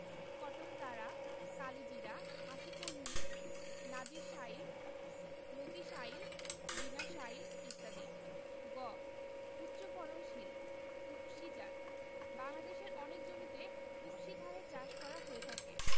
কটকতারা কালিজিরা হাসিকলমি নাজির শাইল লতিশাইল বিনাশাইল ইত্যাদি গ উচ্চফলনশীল উফশী জাতঃ বাংলাদেশের অনেক জমিতে উফশী ধানের চাষ করা হয়ে থাকে